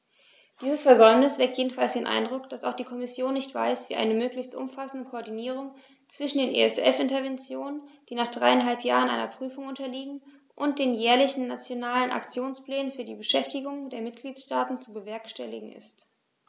Dieses Versäumnis weckt jedenfalls den Eindruck, dass auch die Kommission nicht weiß, wie eine möglichst umfassende Koordinierung zwischen den ESF-Interventionen, die nach dreieinhalb Jahren einer Prüfung unterliegen, und den jährlichen Nationalen Aktionsplänen für die Beschäftigung der Mitgliedstaaten zu bewerkstelligen ist.